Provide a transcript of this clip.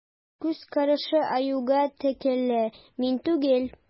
Күз карашы Аюга текәлә: мин түгел.